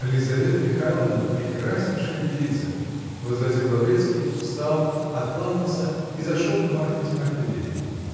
-- Лизавета Михайловна прекраснейшая девица, -- возразил Лаврецкий, встал, откланялся и зашел к Марфе Тимофеевне.